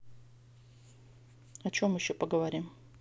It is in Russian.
о чем еще поговорим